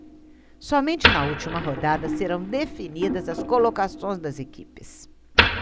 somente na última rodada serão definidas as colocações das equipes